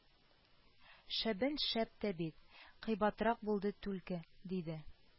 – шәбен шәп тә бит, кыйбатрак булды түлке, – диде